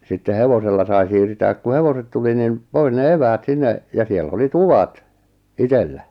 sitten hevosella sai siirtää kun hevoset tuli niin pois ne eväät sinne ja siellä oli tuvat itsellä